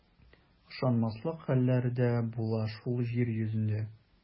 Ышанмаслык хәлләр дә була шул җир йөзендә.